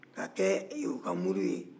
k'a kɛ ɛ u ka boriw ye